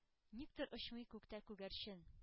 Никтер очмый күктә күгәрчен,